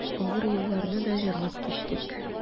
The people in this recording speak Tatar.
Авыр елларны да җырлап кичтек.